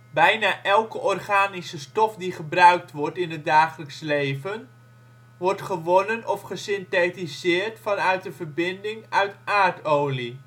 Bijna elke organische stof die gebruikt wordt in het dagelijks leven wordt gewonnen of gesynthetiseerd vanuit een verbinding uit aardolie